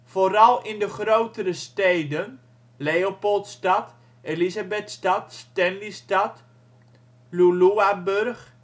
Vooral in de grotere steden (Leopoldstad, Elisabethstad, Stanleystad, Luluaburg